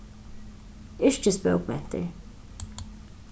yrkisbókmentir